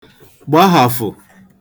gbahàfụ̀